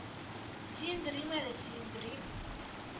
Сөендерим әле, сөендерим